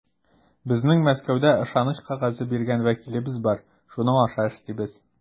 Безнең Мәскәүдә ышаныч кәгазе биргән вәкилебез бар, шуның аша эшлибез.